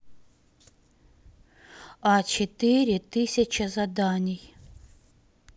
а четыре тысяча заданий